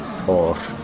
O'r